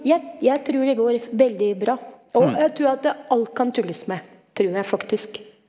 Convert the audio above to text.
je jeg trur det går veldig bra, og jeg trur at alt kan tulles med trur jeg faktisk.